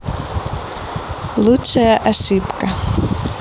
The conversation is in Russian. лучшая ошибка